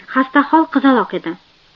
xastahol qizaloq edi